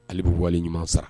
Ale bɛ wale ɲuman sara !